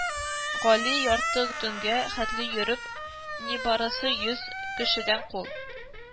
Гали ярты төнгә хәтле йөреп нибарысы йөз кешедән кул